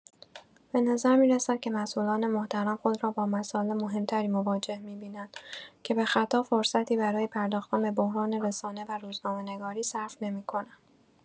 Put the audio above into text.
به نظر می‌رسد که مسئولان محترم خود را با مسائل مهم‌تری مواجه می‌بینند که به خطا فرصتی برای پرداختن به بحران رسانه و روزنامه‌نگاری صرف نمی‌کنند.